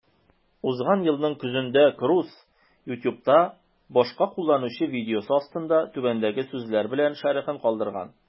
Узган елның көзендә Круз YouTube'та башка кулланучы видеосы астында түбәндәге сүзләр белән шәрехен калдырган: